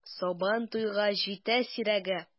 Сабан туйга җитә сирәге!